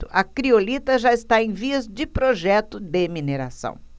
a criolita já está em vias de projeto de mineração